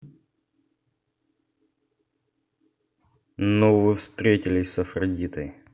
ну вы встретились с афродитой